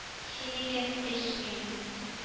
– синекен эчмим